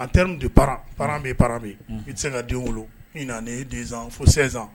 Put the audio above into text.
An terir de pa pa pame i se ka den wolo i nansan fosensan